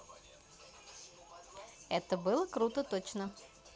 это было круто точно